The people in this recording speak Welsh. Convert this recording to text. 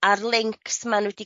a'r lincs ma' n'w 'di